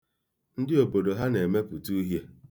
Ndị obodo ha na-emepụta uhie.